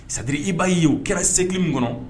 C'est à dire i b'a ye o kɛra siecle min kɔnɔ